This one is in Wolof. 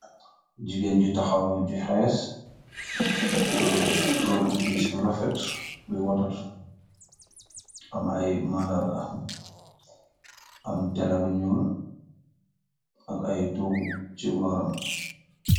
Jigéen ju taxaw ju xees, Sol robu pis bu rafet, buy wotatu am ay màndarga, am tele buñul ak ay tuugu si bóoram.